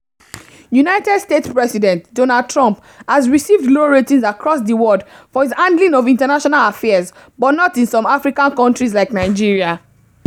United States President Donald Trump has received low ratings across the world for his handling of international affairs — but not in some African countries like Nigeria.